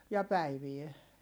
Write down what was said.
ja päivää